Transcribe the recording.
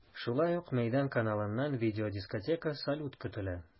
Шулай ук “Мәйдан” каналыннан видеодискотека, салют көтелә.